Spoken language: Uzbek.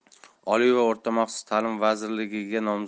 oliy va o'rta maxsus ta'limi vazirligiga